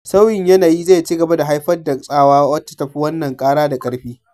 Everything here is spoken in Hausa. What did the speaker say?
Sauyin yanayi zai ci gaba haifar da tsawa wadda ta fi wannan ƙara da ƙarfi.